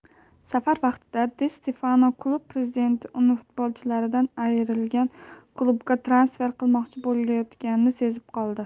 safar vaqtida di stefano klub prezidenti uni futbolchilaridan ayrilgan klubga transfer qilmoqchi bo'layotganini sezib qoldi